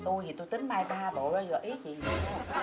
tôi thì tôi tính may ba bộ ý chị sao